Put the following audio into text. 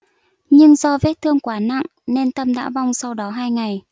nhưng do vết thương quá nặng nên tâm đã vong sau đó hai ngày